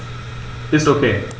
Ist OK.